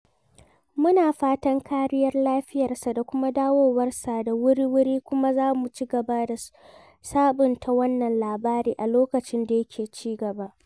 Muna fatan kariyar lafiyarsa da kuma dawowarsa da wurwuri, kuma za mu cigaba da sabunta wannan labari a lokacin da yake cigaba.